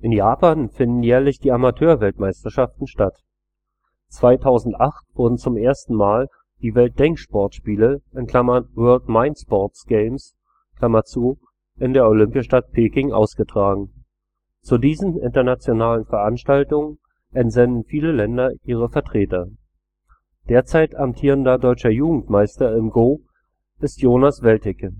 Japan finden jährlich die Amateurweltmeisterschaften statt. 2008 wurden zum ersten Mal die Weltdenksportspiele (World Mind Sports Games) in der Olympiastadt Peking ausgetragen. Zu diesen internationalen Veranstaltungen entsenden viele Länder ihre Vertreter. Derzeit amtierender deutscher Jugendmeister im Go ist Jonas Welticke